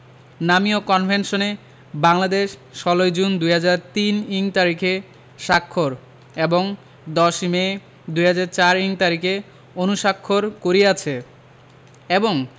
নামীয় কনভেনশনে বাংলাদেশ ১৬ ই জুন ২০০৩ইং তারিখে স্বাক্ষর এবং ১০ মে ২০০৪ইং তারিখে অনুস্বাক্ষর করিয়াছে এবং